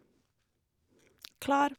Klar.